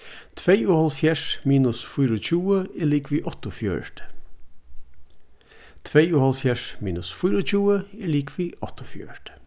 tveyoghálvfjerðs minus fýraogtjúgu er ligvið áttaogfjøruti tveyoghálvfjerðs minus fýraogtjúgu er ligvið áttaogfjøruti